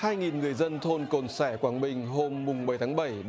hai nghìn người dân thôn cồn sẻ quảng bình hôm mùng mười tháng bảy